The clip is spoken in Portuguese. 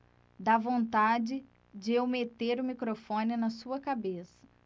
dá vontade de eu meter o microfone na sua cabeça